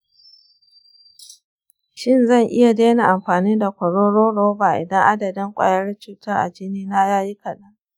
shin zan iya daina amfani da kwaroron roba idan adadin ƙwayar cutar a jinina yayi kaɗan?